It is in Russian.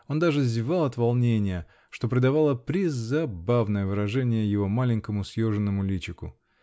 Он даже зевал от волнения, что придавало презабавное выражение его маленькому, съеденному личику.